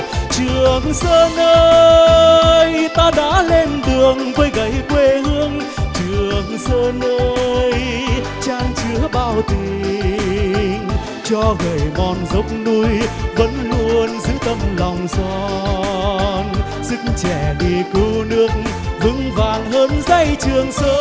trường sơn ơi ta đã lên đường với gậy quê hương trường sơn ơi chan chứa bao tình cho gậy mòn dốc núi vẫn luôn giữ tấm lòng son sức trẻ đi cứu nước vững vàng hơn dãy trường sơn